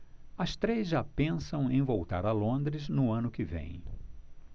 as três já pensam em voltar a londres no ano que vem